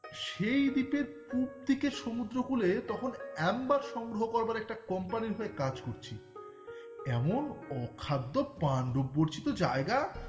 সেই দ্বীপের পুব দিকে সমুদ্র উপকূলে তখন আম্বার সংগ্রহ করবার একটি কোম্পানির হয়ে কাজ করছি এমন অখাদ্য পান্ডব বর্জিত জায়গা